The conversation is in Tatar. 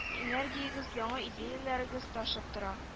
Энергиягез яңа идеяләрегез ташып тора